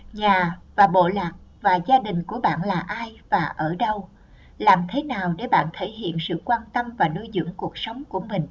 nhà và bộ lạc và gia đình của bạn là ai và ở đâu làm thế nào để bạn thể hiện sự quan tâm và nuôi dưỡng cuộc sống của mình